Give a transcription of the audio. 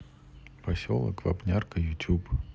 поселок вапнярка ютуб